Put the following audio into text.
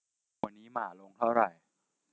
วันนี้หมาลงเท่าไหร่